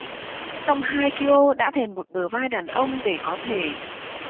song hye kyo đã thèm một bờ vai đàn ông để có thể